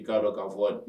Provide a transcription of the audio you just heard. I k'a dɔn k kaa fɔ